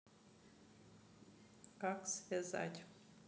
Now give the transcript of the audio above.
как связать